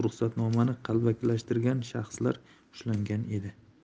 ruxsatnomani qalbakilashtirgan shaxslar ushlangan edi